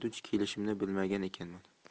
duch kelishimni bilmagan ekanman